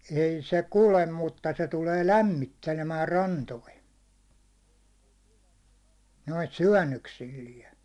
ei se kulje mutta se tulee lämmittelemään rantoihin noita syönnöksillään